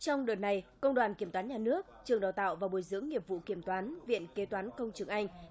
trong đợt này công đoàn kiểm toán nhà nước trường đào tạo và bồi dưỡng nghiệp vụ kiểm toán viện kế toán công chứng anh